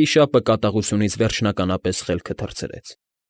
վիշապը կատաղությունից վերջնականորեն խելքը թռցրեց։